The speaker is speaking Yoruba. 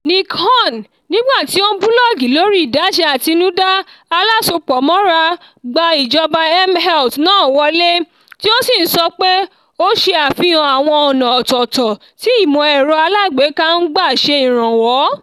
Nick Hunn, nígbà tí ó ń búlọ́ọ́gì lórí Ìdáse Àtinúdá Alásopọ̀mọ́ra, gba ìjábọ̀ mHealth náà wọlé, tí ó sì ń sọpe ó ṣe àfihàn àwọn ọ̀nà ọ̀tọ̀ọ̀tọ̀ tí ìmọ̀ ẹ̀rọ alágbèéká ń gbà ṣe ìrànwọ̀.